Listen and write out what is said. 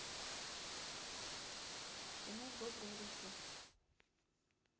кино в добрые руки